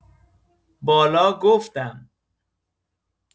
بالا گفتم